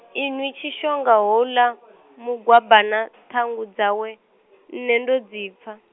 inwi Tshishonga houḽa, Mugwabana, ṱhangu dzawe, nṋe ndo dzi pfa.